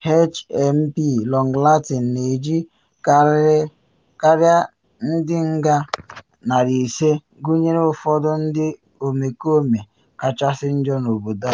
HMP Long Lartin na eji karịa ndị nga 500, gụnyere ụfọdụ ndị omekome kachasị njọ n’obodo a.